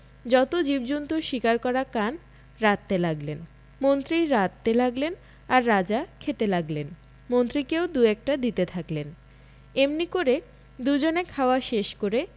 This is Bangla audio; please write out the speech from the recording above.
যত জীবজন্তুর শিকার করা কান রাঁধতে লাগলেন মন্ত্রী রাঁধতে লাগলেন আর রাজা খেতে লাগলেন মন্ত্রীকেও দু একটা দিতে থাকলেন এমনি করে দুজনে খাওয়া শেষ করে